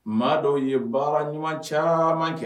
Maa dɔw ye baara ɲuman caman kɛ